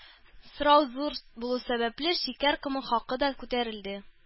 Сорау зур булу сәбәпле, шикәр комы хакы да күтәрелде